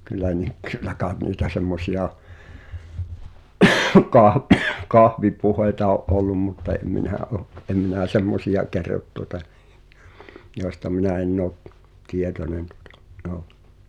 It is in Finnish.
kyllä niitä kyllä kai niitä semmoisia - kahvipuheita on ollut mutta en minä ole en minä semmoisia kerro tuota joista minä en ole tietoinen tuota joo